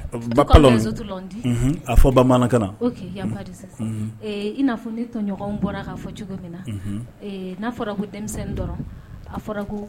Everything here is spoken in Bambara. A fɔ bamanan ina ne tɔɲɔgɔnw bɔra fɔ cogo min na n'a fɔra ko denmisɛnnin dɔrɔn a fɔra